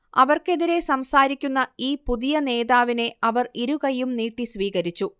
അവർക്കെതിരേ സംസാരിക്കുന്ന ഈ പുതിയ നേതാവിനെ അവർ ഇരുകൈയ്യും നീട്ടി സ്വീകരിച്ചു